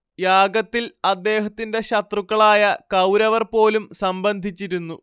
യാഗത്തിൽ അദ്ദേഹത്തിന്റെ ശത്രുക്കളായ കൗരവർ പോലും സംബന്ധിച്ചിരുന്നു